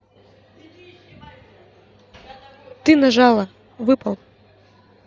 ты нажала выпал